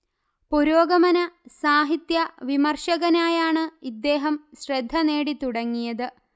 പുരോഗമന സാഹിത്യവിമർശകനായാണ് ഇദ്ദേഹം ശ്രദ്ധ നേടിത്തുടങ്ങിയത്